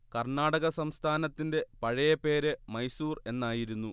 കർണാടക സംസ്ഥാനത്തിന്റെ പഴയ പേര് മൈസൂർ എന്നായിരുന്നു